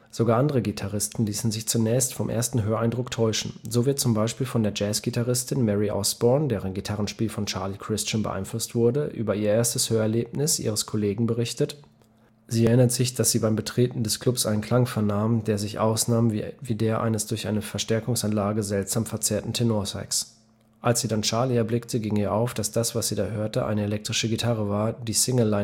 Sogar andere Gitarristen ließen sich zunächst vom ersten Höreindruck täuschen. So wird zum Beispiel von der Jazzgitarristin Mary Osborne, deren Gitarrenspiel von Charlie Christian beeinflusst wurde, über ihr erstes Hörerlebnis ihres Kollegen berichtet: „ Sie erinnert sich, daß sie beim Betreten des Klubs einen Klang vernahm, der sich ausnahm wie der eines durch eine Verstärkungsanlage seltsam verzerrtes Tenorsax. Als sie dann Charlie erblickte, ging ihr auf, daß das, was sie da hörte, eine elektrische Gitarre war, die Single-line-Soli